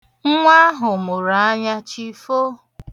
Nwa ahụ mụrụ anya chi fo.